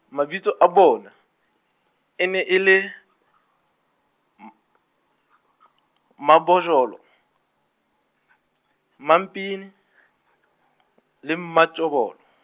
mabitso a bona, e ne e le, M-, Mmabojolo, Mmampini-, le Mmatjhobolo.